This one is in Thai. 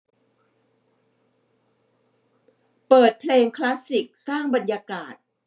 เปิดเพลงคลาสสิกสร้างบรรยากาศ